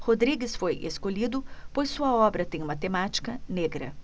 rodrigues foi escolhido pois sua obra tem uma temática negra